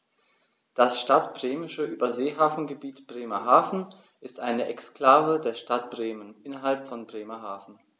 Das Stadtbremische Überseehafengebiet Bremerhaven ist eine Exklave der Stadt Bremen innerhalb von Bremerhaven.